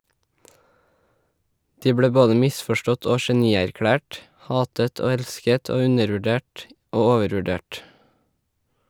De ble både misforstått og genierklært , hatet og elsket, og undervurdert og overvurdert.